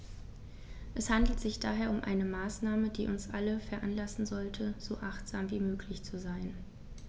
Es handelt sich daher um eine Maßnahme, die uns alle veranlassen sollte, so achtsam wie möglich zu sein.